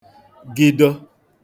gịdo